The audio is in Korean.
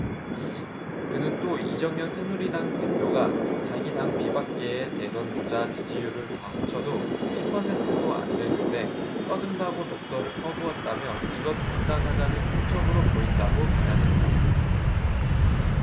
그는 또 이정현 새누리당 대표가 자기 당 비박계에게 대선주자 지지율을 다 합쳐도 십 퍼센트도 안 되는데 떠든다고 독설을 퍼부었다며 이건 분당하자는 통첩으로 보인다고 비난했다